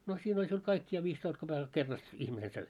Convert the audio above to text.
no siinä oli sinulla kaikki ja viisitoista kopeekalla kerrasta ihminen söi